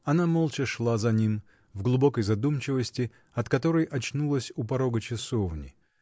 Она молча шла за ним, в глубокой задумчивости, от которой очнулась у порога часовни.